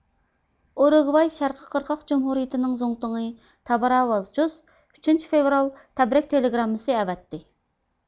ئۇرۇگۋاي شەرقىي قىرغاق جۇمھۇرىيىتىنىڭ زۇڭتۇڭى تابارا ۋازچۇز ئۈچىنچى فېۋرال تەبرىك تېلېگراممىسى ئەۋەتتى